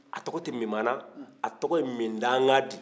a tɔgɔ tɛ mimana a tɔgɔ ye mindangan de ye